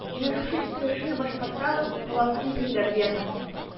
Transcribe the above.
Менә шушы ике эшне башкарсагыз, молодцы, егетләр, диярмен.